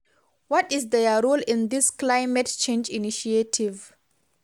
What is their role in this climate change initiative?